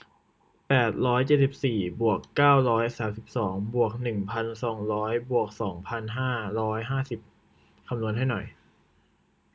แปดร้อยเจ็ดสิบสี่บวกเก้าร้อยสามสิบสองบวกหนึ่งพันสองร้อยบวกสองพันห้าร้อยห้าสิบคำนวณให้หน่อย